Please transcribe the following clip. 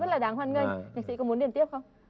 là đáng hoan nghênh nhạc sĩ có muốn điền tiếp không